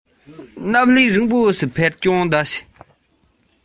བག སྟོན གྱི མཛད སྒོ སྤེལ བ དང འདྲ